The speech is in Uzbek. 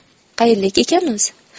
qayerlik ekan o'zi